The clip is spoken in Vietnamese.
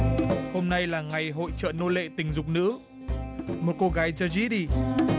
hôm nay là ngày hội chợ nô lệ tình dục nữ một cô gái giờ dí đi